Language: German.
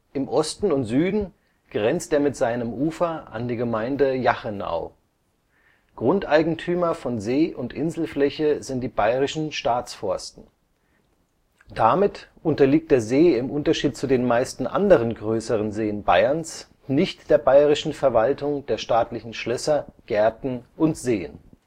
Im Osten und Süden grenzt er mit seinem Ufer an die Gemeinde Jachenau. Grundeigentümer von See - und Inselfläche sind die Bayerischen Staatsforsten. Damit unterliegt der See im Unterschied zu den meisten anderen größeren Seen Bayerns nicht der Bayerischen Verwaltung der staatlichen Schlösser, Gärten und Seen